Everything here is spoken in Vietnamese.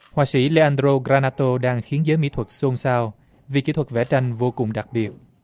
họa sĩ lê an đờ rô gờ ra na tô đang khiến giới mỹ thuật xôn xao vì kỹ thuật vẽ tranh vô cùng đặc biệt